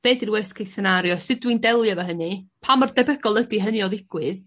be' 'di'r worse case scenario? Sut dw i'n delio efo hynny? Pa mor debygol ydi hynny o ddigwydd?